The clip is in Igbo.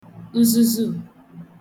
uzūzū